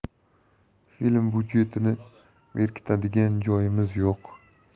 film budjetini berkitadigan joyimiz yo'q